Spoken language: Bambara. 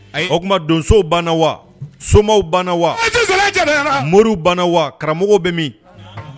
Ayi o donsow banna wa somɔgɔww banna wa mori wa karamɔgɔ bɛ min